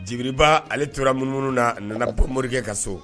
Jigiba ale torara munumunu na nana morikɛ ka so